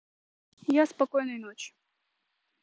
я спокойной ночи